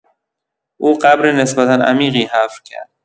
او قبر نسبتا عمیقی حفر کرد.